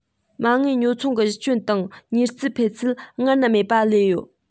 མ དངུལ ཉོ ཚོང གི གཞི ཁྱོན དང མྱུར ཚད འཕེལ ཚད སྔར ན མེད པར སླེབས ཡོད